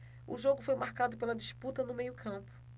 o jogo foi marcado pela disputa no meio campo